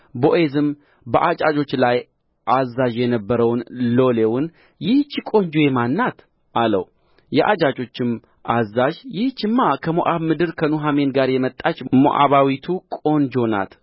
ቦዔዝም በአጫጆች ላይ አዛዥ የነበረውን ሎሌውን ይህች ቆንጆ የማን ናት አለው የአጫጆቹም አዛዥ ይህችማ ከሞዓብ ምድር ከኑኃሚን ጋር የመጣች ሞዓባዊቱ ቆንጆ ናት